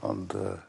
ond yy